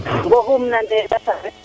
bo xumna nel a sareet ɓisidel